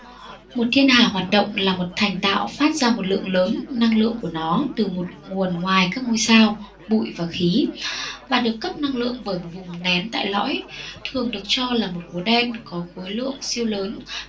một thiên hà hoạt động là một thành tạo phát ra một lượng lớn năng lượng của nó từ một nguồn ngoài các ngôi sao bụi và khí và được cấp năng lượng bởi một vùng nén tại lõi thường được cho là một hố đen khối khối lượng siêu lớn